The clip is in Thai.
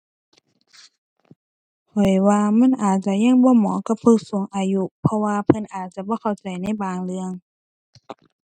ข้อยว่ามันอาจจะยังบ่เหมาะกับผู้สูงอายุ เพราะว่าเพิ่นอาจจะบ่เข้าใจในบางเรื่อง